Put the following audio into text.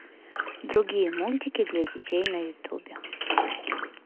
другие мультики для детей на ютубе